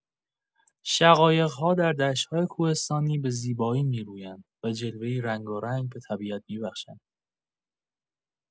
شقایق‌ها در دشت‌های کوهستانی به زیبایی می‌رویند و جلوه‌ای رنگارنگ به طبیعت می‌بخشند.